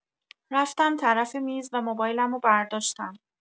رفتم طرف میز و موبایلمو برداشتم.